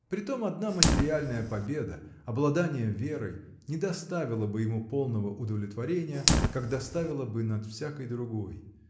Притом одна материяльная победа, обладание Верой не доставило бы ему полного удовлетворения, как доставило бы над всякой другой.